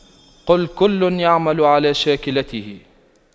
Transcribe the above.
قُل كُلٌّ يَعمَلُ عَلَى شَاكِلَتِهِ